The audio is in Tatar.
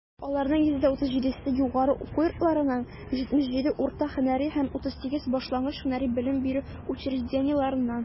Аларның 137 се - югары уку йортларыннан, 77 - урта һөнәри һәм 38 башлангыч һөнәри белем бирү учреждениеләреннән.